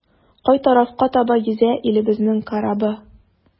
Кай тарафка таба йөзә илебезнең корабы?